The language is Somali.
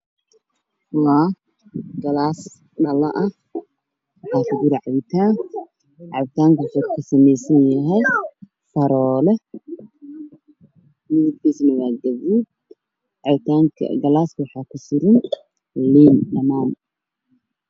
Waa cabitaan wuxuu ku jiraa daraas midabkiisa yahay gudahood ayuu saaran yahay galaaska waxaa ka furan liin